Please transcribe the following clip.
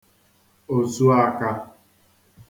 òsuākā